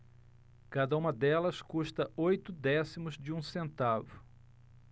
cada uma delas custa oito décimos de um centavo